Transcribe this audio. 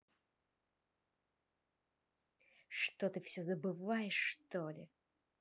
ты что все забываешь что ли